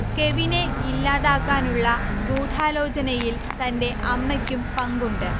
കെവിനെ ഇല്ലാതാക്കാനുള്ള ഗൂഢാലോചനയിൽ തന്റെ അമ്മയ്ക്കും പങ്കുണ്ട്